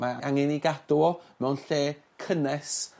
Ma' angen i gadw o mewn lle cynnes